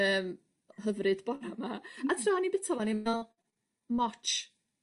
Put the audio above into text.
Yym hyfryd bora 'ma a tra o'n i bita fo o'n i'n me'wl 'mots.